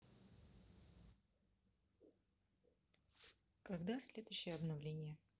когда следующее обновление